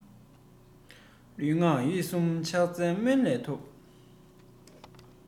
ལུས ངག ཡིད གསུམ ཕྱག འཚལ སྨོན ལམ ཐོབ